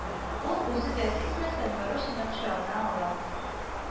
Ул, үзе дә сизмәстән, Марусяны кочагына ала